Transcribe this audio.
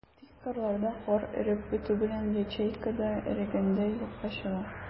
Тик кырларда кар эреп бетү белән, ячейка да эрегәндәй юкка чыга.